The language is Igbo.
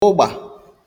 wụgbà